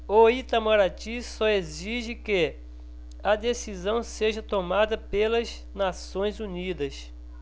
o itamaraty só exige que a decisão seja tomada pelas nações unidas